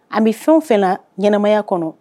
An bɛ fɛn o fɛn na ɲɛnamaya kɔnɔ